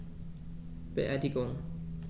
Beerdigung